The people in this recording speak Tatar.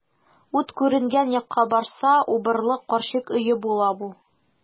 Ут күренгән якка барса, убырлы карчык өе була бу.